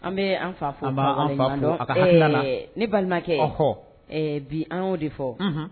An bɛ an fa an fa ne balimakɛ bi an' de fɔ